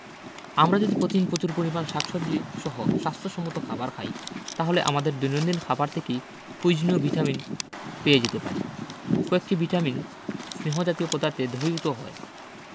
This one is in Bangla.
আমরা যদি প্রতিদিন প্রচুর শাকসবজী সহ স্বাস্থ্য সম্মত খাবার খাই তাহলে আমাদের দৈনন্দিন খাবার থেকেই প্রয়োজনীয় ভিটামিন পেয়ে যেতে পারি কয়েকটি ভিটামিন স্নেহ জাতীয় পদার্থে দ্রবীভূত হয়